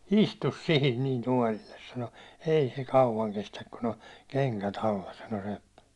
istui siihen niin tuolille sanoi ei se kauan kestä kun on kengät alla sanoi seppä